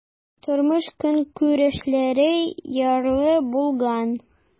Тормыш-көнкүрешләре ярлы булган.